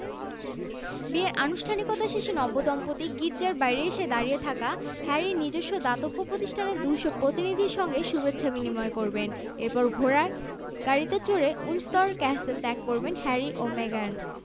২৫ মিনিটে ক্যাসেলের চারদিক ঘুরে তাঁরা আবার আগের জায়গায় ফেরত আসবেন সেখানে রানির সৌজন্যে আমন্ত্রিত অতিথিদের সংবর্ধনা দেওয়া হবে একই দিন সন্ধ্যায় উইন্ডসর ক্যাসেলের দক্ষিণে অবস্থিত ফ্রোগমোর হাউসে